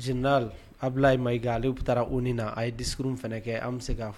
J' a bilahi ma ika ale bɛ taa u ni na a ye diurun fana kɛ an bɛ se k'a fɔ